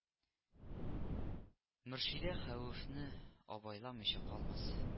Мөршидә хәвефне абайламыйча калмас